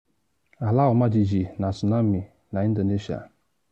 Ala ọmajiji na tsunami na Indonesia